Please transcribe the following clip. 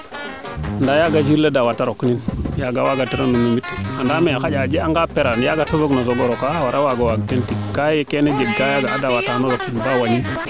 ndaa yaaga jir le daawata rok yaaga waga tiran o numit mais xayna a jeg anga peraan yaaga te soog na soogo roka a wara waag teen tik ka ye keene jeg kaa a daawa taan o rok teen ba wañin